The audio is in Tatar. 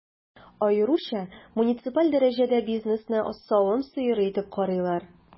Аеруча муниципаль дәрәҗәдә бизнесны савым сыеры итеп карыйлар.